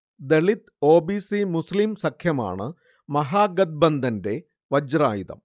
ദളിത്-ഒ. B. C- മുസ്ലീം സഖ്യമാണ് മഹാഗത്ബന്ധന്റെ വജ്രായുധം